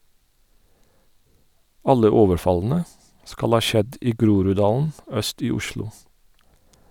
Alle overfallene skal ha skjedd i Groruddalen øst i Oslo.